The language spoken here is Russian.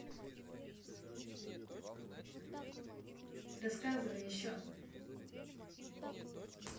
рассказывай еще